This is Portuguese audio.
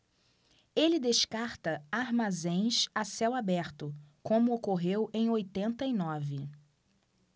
ele descarta armazéns a céu aberto como ocorreu em oitenta e nove